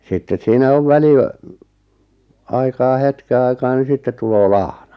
sitten siinä on - väliaikaa hetken aikaa niin sitten tulee lahna